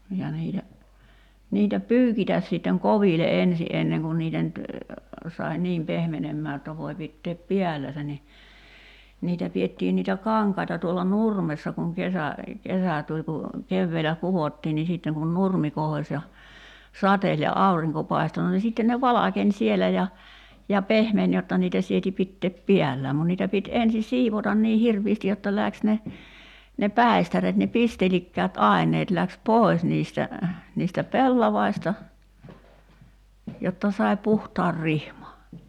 ja niitä niitä pyykitä sitten koville ensin ennen kuin niitä nyt sai niin pehmenemään jotta voi pitää päällänsä niin niitä pidettiin niitä kankaita tuolla nurmessa kun kesä kesä tuli kun keväällä kudottiin niin sitten kun nurmi kohosi ja sateli ja aurinko paistoi no niin sitten ne valkeni siellä ja ja pehmeni jotta niitä sieti pitää päällään mutta niitä piti ensin siivota niin hirveästi jotta lähti ne ne päistäreet ne pistelikkäät aineet lähti pois niistä niistä pellavista jotta sai puhtaan rihman